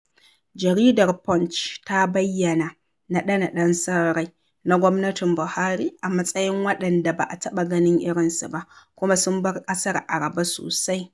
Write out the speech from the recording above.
Jaridar Punch ta bayyana "naɗe-naɗen son rai" na gwamnatin Buhari a matsayin waɗanda "ba a taɓa ganin irinsu ba" kuma sun bar ƙasar a rabe sosai.